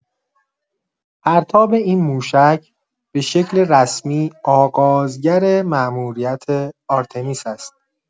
پرتاب این موشک به شکل رسمی آغازگر ماموریت آرتمیس است.